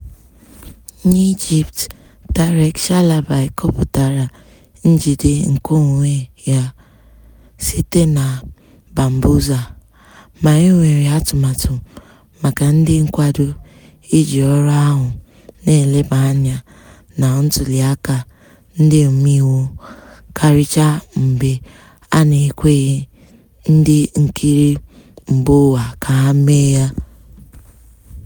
N'Egypt Tarek Shalaby kọpụtara njide nke onwe ya site na Bambuser, ma e nwere atụmatụ maka ndị nkwado iji ọrụ ahụ na-eleba anya na ntuliaka ndị omeiwu karịchaa mgbe a n'ekweghị ndị nkiri mbaụwa ka ha mee ya.